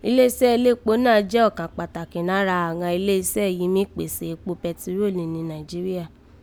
Ilé isẹ́ elékpo náà jẹ́ ọ̀kàn kpàtàkì nara àghan ilé isẹ́ yìí mí kpèsè ekpo pẹtiró ni Nàìjíríà